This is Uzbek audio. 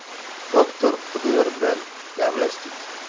doktor xudoyor bilan gaplashdik